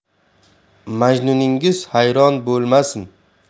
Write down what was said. majnuningiz hayron bo'lmasin